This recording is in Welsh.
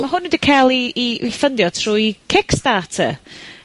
...ma' hwn wedi ca'l 'i 'i 'i ffyndio trwy Kickstarter, ...